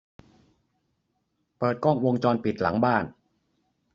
เปิดกล้องวงจรปิดหลังบ้าน